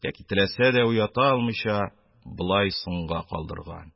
Яки теләсә дә уята алмыйча, болай соңга калдырган.